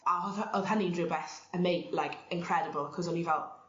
a o'dd- hy- o'dd hynny'n rhwbeth ama- like incredible 'c'os o'n i fel